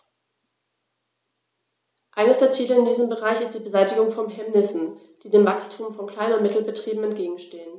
Eines der Ziele in diesem Bereich ist die Beseitigung von Hemmnissen, die dem Wachstum von Klein- und Mittelbetrieben entgegenstehen.